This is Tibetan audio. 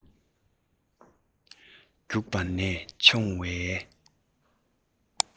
རྒྱུག པ ནས མཆོང བའི